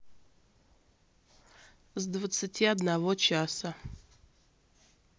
с двадцати одного часа